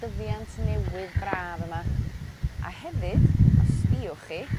dyfiant newydd braf yma a hefyd os sbïwch chi